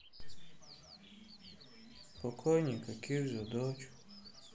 пока никаких задач